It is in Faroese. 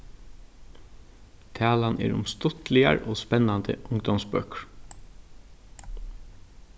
talan er um stuttligar og spennandi ungdómsbøkur